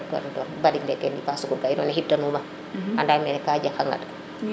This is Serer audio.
kene dong barig leke im yipa sukar ge iro ne xiɓ ta numa ande mene ka jeg xa ŋaɗ